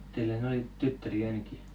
teillähän oli tyttäriä ainakin